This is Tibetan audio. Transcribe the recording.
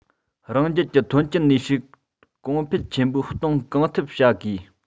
རང རྒྱལ གྱི ཐོན སྐྱེད ནུས ཤུགས གོང འཕེལ ཆེན པོ གཏོང གང ཐུབ བྱ དགོས